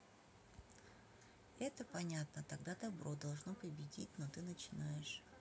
это понятно тогда добро должно победить но ты начинаешь